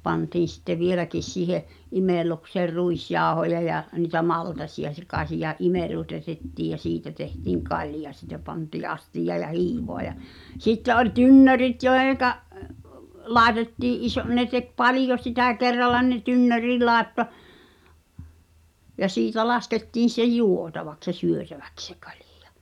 pantiin sitten vieläkin siihen imellykseen ruisjauhoja ja niitä maltaita sekaisin ja imellytettiin ja siitä tehtiin kalja siitä pantiin astiaan ja hiivaa ja sitten oli tynnyrit joihin laitettiin - ne teki paljon sitä kerralla ne tynnyrin laittoi ja siitä laskettiin sitten juotavaksi ja syötäväksi se kalja